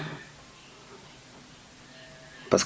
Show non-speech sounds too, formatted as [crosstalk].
[hesitation] [hesitation]